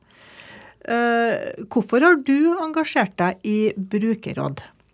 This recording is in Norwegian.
hvorfor har du engasjert deg i brukerråd?